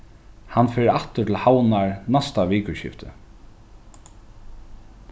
hann fer aftur til havnar næsta vikuskifti